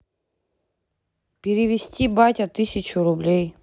перевести батя тысячу рублей